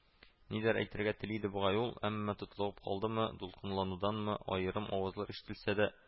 Нидер әйтергә тели иде бугай ул, әмма тотлыгып калдымы, дулкынлануданмы, аерым авазлар ишетелсә дә